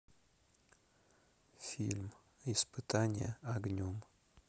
фильм испытание огнем